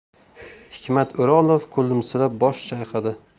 hikmat o'rolov kulimsirab bosh chayqadi